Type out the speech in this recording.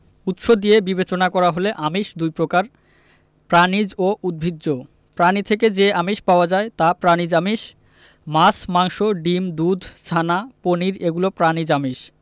উৎস দিয়ে বিবেচনা করা হলে আমিষ দুই প্রকার প্রাণিজ ও উদ্ভিজ্জ প্রাণী থেকে যে আমিষ পাওয়া যায় তা প্রাণিজ আমিষ মাছ মাংস ডিম দুধ ছানা পনির এগুলো প্রাণিজ আমিষ